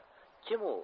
kim u